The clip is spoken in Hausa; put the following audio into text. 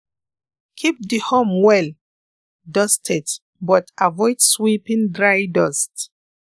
keep the home well dusted but avoid sweeping dry dust.